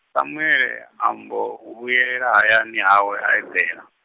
Samuele, ambo, vhuyelela hayani hawe a eḓela.